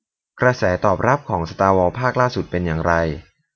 กระแสตอบรับของสตาร์วอร์ภาคล่าสุดเป็นอย่างไร